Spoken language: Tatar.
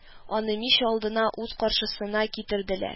Аны мич алдына ут каршысына китерделәр